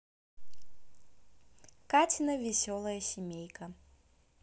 катина веселая семейка